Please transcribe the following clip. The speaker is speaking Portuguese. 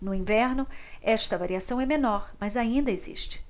no inverno esta variação é menor mas ainda existe